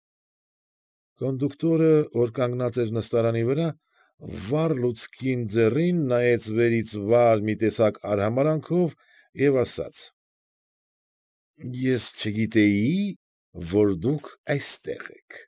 Կոնդուկտորը, որ կանգնած էր նստարանի վրա, վառ լուցկին ձեռքին, նայեց վերից վար մի տեսակ արհամարհանքով և ասաց։ ֊ Ես չգիտեի, որ դուք այստեղ եք։